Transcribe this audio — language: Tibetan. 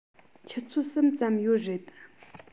ཆུ ཚོད གསུམ ཙམ ཡོད རེད